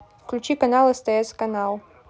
включи канал стс канал